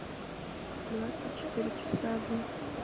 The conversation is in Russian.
двадцать четыре часа в